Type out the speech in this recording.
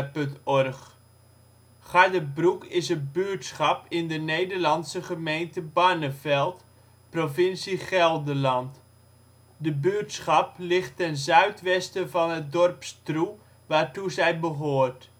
OL Garderbroek Plaats in Nederland Situering Provincie Gelderland Gemeente Barneveld Coördinaten 52° 12′ NB, 5° 40′ OL Portaal Nederland Beluister (info) Garderbroek is een buurtschap in de Nederlandse gemeente Barneveld (provincie Gelderland). De buurtschap ligt ten zuidwesten van het dorp Stroe, waartoe zij behoort